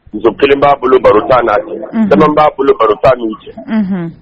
Muso kelen b'a bolo baro tan n'a bamanan b'a bolo baro tan ni cɛ